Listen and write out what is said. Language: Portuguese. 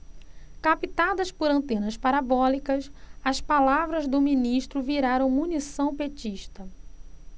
captadas por antenas parabólicas as palavras do ministro viraram munição petista